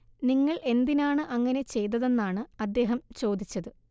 നിങ്ങൾ എന്തിനാണ് അങ്ങനെ ചെയ്തതെന്നാണ് അദ്ദേഹം ചോദിച്ചത്